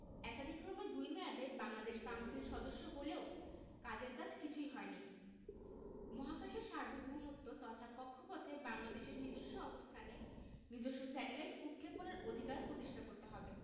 একাদিক্রমে দুই মেয়াদে বাংলাদেশ কাউন্সিল সদস্য হলেও কাজের কাজ কিছুই হয়নি মহাকাশের সার্বভৌমত্ব তথা কক্ষপথে বাংলাদেশের নিজস্ব অবস্থানে নিজস্ব স্যাটেলাইট উৎক্ষেপণের অধিকার প্রতিষ্ঠা করতে হবে